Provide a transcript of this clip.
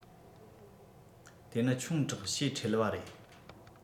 དེ ནི ཆུང དྲགས ཞེ ཁྲེལ བ རེད